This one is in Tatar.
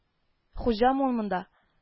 Хуҗамы ул монда